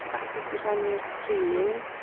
Hapus i rannu'r sgrîn.